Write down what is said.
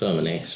'Sa fo'm yn neis.